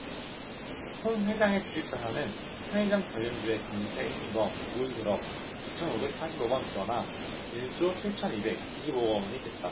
홍 회장의 주식자산은 편의점 관련주의 강세에 힘입어 올 들어 이 천 오백 사십 억원 불어나 일 조 칠 천 이백 이십 오 억원이 됐다